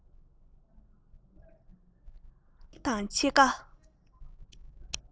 ལོ གཅིག དང ཕྱེད ཀ